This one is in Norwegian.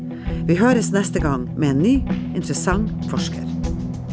vi høres neste gang med en ny, interessant forsker.